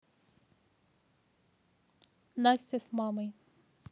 настя с мамой